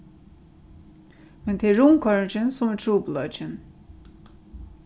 men tað er rundkoyringin sum er trupulleikin